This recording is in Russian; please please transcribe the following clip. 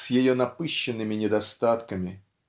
с ее напыщенными недостатками.